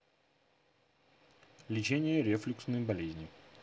лечение рефлюксной болезни